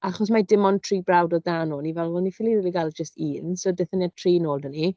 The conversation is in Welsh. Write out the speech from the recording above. Achos mai dim ond tri brawd oedd 'da nhw, o'n i fel "'Wel ni ffaeli rili gael jyst un." So daethon ni â'r tri nôl 'da ni.